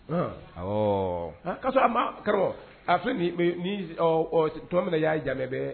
Ɔ ka'a sɔrɔ a ma karamɔgɔ a fɛn ni to min na y'a jaabibɛ